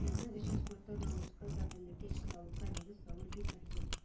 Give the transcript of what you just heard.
Безнең өчен спортта намуска, гаделлеккә, чисталыкка нигез салу бик мөһим.